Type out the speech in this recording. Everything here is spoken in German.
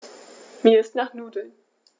Mir ist nach Nudeln.